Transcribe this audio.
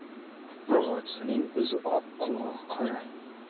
urg'ochisining o'zi oq qulog'i qora